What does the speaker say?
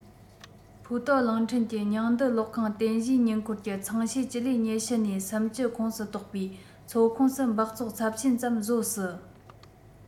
ཕུའུ ཏའོ གླིང ཕྲན གྱི ཉིང རྡུལ གློག ཁང རྟེན གཞིའི ཉེ འཁོར གྱི ཚངས ཕྱེད སྤྱི ལེ ཉེ ཤུ ནས སུམ བཅུ ཁོངས སུ གཏོགས པའི མཚོ ཁོངས སུ སྦགས བཙོག ཚབས ཆེ ཙམ བཟོ སྲིད